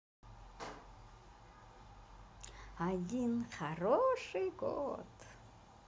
один хороший год